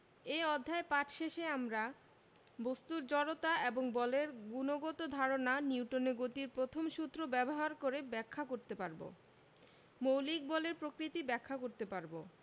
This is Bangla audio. বস্তুর জড়তা ও বলের গুণগত ধারণা নিউটনের গতির প্রথম সূত্র ব্যবহার করে ব্যাখ্যা করতে পারব মৌলিক বলের প্রকৃতি ব্যাখ্যা করতে পারব